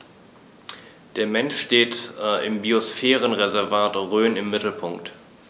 Der Mensch steht im Biosphärenreservat Rhön im Mittelpunkt.